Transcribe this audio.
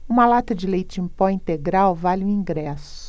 uma lata de leite em pó integral vale um ingresso